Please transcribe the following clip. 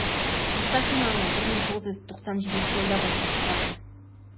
Мостафина аны 1997 елда бастырып чыгарды.